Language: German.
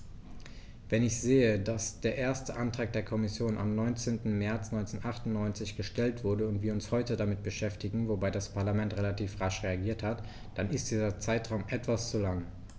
Wenn ich sehe, dass der erste Antrag der Kommission am 19. März 1998 gestellt wurde und wir uns heute damit beschäftigen - wobei das Parlament relativ rasch reagiert hat -, dann ist dieser Zeitraum etwas zu lang.